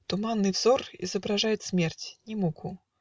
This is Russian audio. Туманный взор Изображает смерть, не муку.